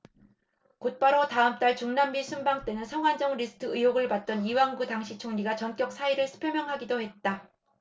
곧바로 다음달 중남미 순방 때는 성완종 리스트 의혹을 받던 이완구 당시 총리가 전격 사의를 표명하기도 했다